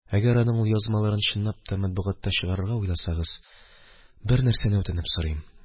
Әгәр аның ул язмаларын чынлап та матбугатка чыгарырга уйласагыз, бернәрсәне үтенеп сорыйм: